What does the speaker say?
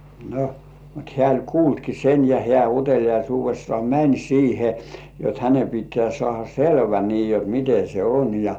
no mutta hän oli kuullutkin sen ja hän uteliaisuudessaan meni siihen jotta hänen pitää saada selvä niin jotta miten se on ja